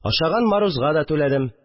Ашаган морозга да түләдем